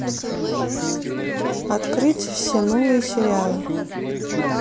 открыть все новые сериалы